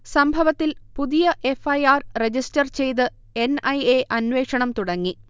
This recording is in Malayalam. സംഭവത്തിൽ പുതിയ എഫ്. ഐ. ആർ. റജിസ്റ്റർ ചെയ്ത് എൻ. ഐ. എ. അന്വേഷണം തുടങ്ങി